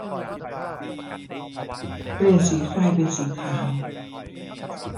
เปลี่ยนสีไฟเป็นสีขาว